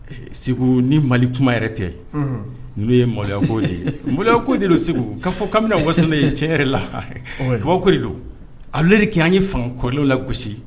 Segu ni mali kuma yɛrɛ tɛ n' ye maloyako ye maloya ko de don segu'a fɔ kabini wa ye cɛ yɛrɛ la kaba de don ale de kɛ an ye fanga kɔlen la gosi